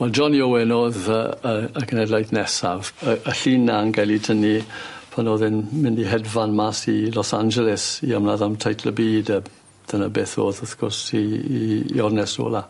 Wel Johnny Owen o'dd yy yy y cenedlaeth nesaf yy y llun 'na yn ga'l 'i tynnu pan o'dd e'n mynd i hedfan mas i Los Angeles i ymladd am teitl y byd yy dyna beth o'dd wrth gwrs 'i 'i 'i ornest ola.